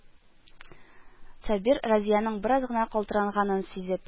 Сабир, Разиянең бераз гына калтыранганын сизеп: